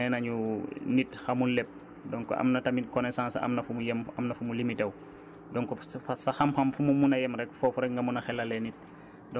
parce que nee nañu nit xamul lépp donc am na tamit connaissance am na fu muy yem am na fu mu limité wu donc sa xam-xam fu mu mën a yen rekk foofu rekk nga mun a xelalee nit